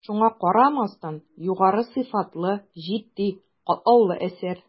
Шуңа карамастан, югары сыйфатлы, житди, катлаулы әсәр.